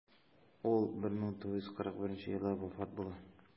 Ул 1941 елда вафат була.